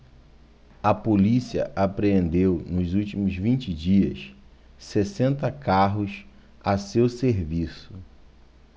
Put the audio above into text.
a polícia apreendeu nos últimos vinte dias sessenta carros a seu serviço